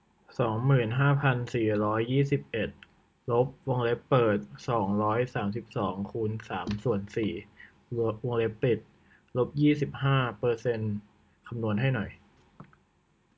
สองหมื่นห้าพันสี่ร้อยยี่สิบเอ็ดลบวงเล็บเปิดสองร้อยสามสิบสองคูณสามส่วนสี่วงเล็บปิดลบยี่สิบห้าเปอร์เซนต์คำนวณให้หน่อย